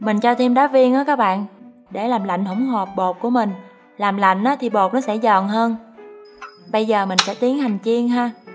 mình cho thêm đá viên á các bạn để làm lạnh hỗn hợp bột của mình làm lạnh thì bột sẽ giòn hơn bây giờ mình sẽ tiến hành chiên he